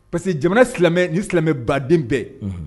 Parce que jamana silamɛ , ni silamɛ baden in bɛɛ!